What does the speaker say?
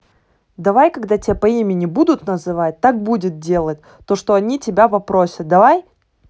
давай когда тебя по имени будут называть так будет делать то что они тебя попросят давай